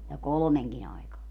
ja kolmenkin aikaan